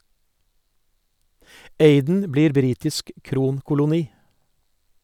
Aden blir britisk kronkoloni.